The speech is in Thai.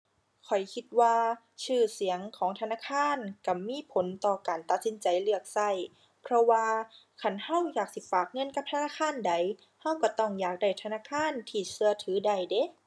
ข้อยคิดว่าชื่อเสียงของธนาคารก็มีผลต่อการตัดสินใจเลือกก็ เพราะว่าคันก็อยากสิฝากเงินกับธนาคารใด ก็ก็ต้องอยากได้ธนาคารที่ก็ถือได้เดะ